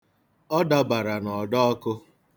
Ọ dabara n'ọdọọkụ.